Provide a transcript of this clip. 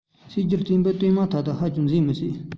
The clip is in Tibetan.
སྲིད ཇུས གཏན འབེབས བཏོན མ ཐག ན ཧ ཅང མཛེས མི སྲིད